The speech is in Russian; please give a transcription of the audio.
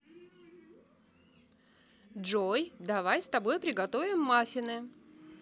джой давай с тобой приготовим маффины